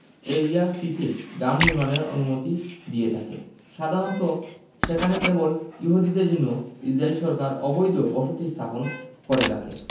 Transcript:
area C তে গ্রাম নির্মাণের অনুমতি দিয়ে থাকে সাধারণত সেখানে কেবল ইহুদিদের জন্য ইসরাইল সরকার অবৈধ বসতি স্থাপন করে থাকে